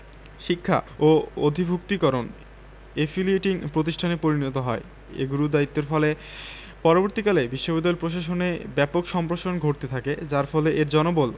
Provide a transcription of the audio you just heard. শিক্ষা ও অধিভূক্তিকরণ এফিলিয়েটিং প্রতিষ্ঠানে পরিণত হয় এ গুরুদায়িত্বের ফলে পরবর্তীকালে বিশ্ববিদ্যালয় প্রশাসনে ব্যাপক সম্প্রসারণ ঘটতে থাকে যার ফলে এর জনবল